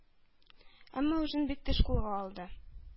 Әмма үзен бик тиз кулга алды.